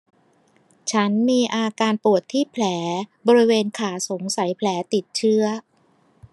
ฉันมีอาการปวดที่แผลบริเวณขาสงสัยแผลติดเชื้อ